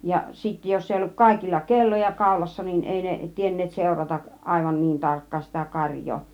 ja sitten jos ei ollut kaikilla kelloja kaulassa niin ei ne tienneet seurata aivan niin tarkkaan sitä karjaa